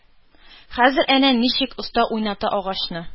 Хәзер әнә ничек оста уйната агачны,